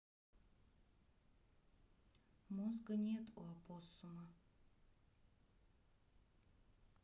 мозга нет у опоссума